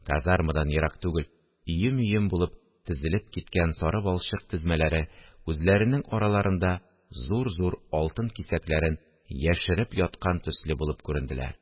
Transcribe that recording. Казармадан ерак түгел өем-өем булып тезелеп киткән сары балчык тезмәләре үзләренең араларында зур-зур алтын кисәкләрен яшереп яткан төсле булып күренделәр